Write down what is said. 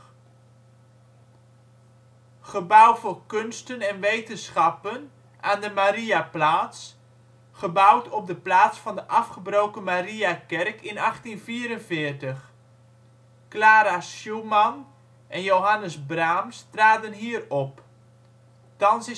Gebouw voor Kunsten en Wetenschappen aan de Mariaplaats. Gebouwd op de plaats van de afgebroken Mariakerk in 1844. Clara Schumann en Johannes Brahms traden hier op. Thans